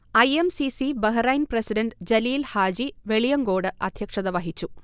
I. M. C. C. Bahrain president Jaleel Haji Veliyankode അദ്ധ്യക്ഷത വഹിച്ചു